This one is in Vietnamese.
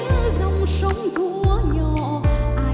dòng sông thuở